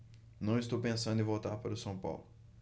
não estou pensando em voltar para o são paulo